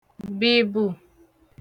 bìbù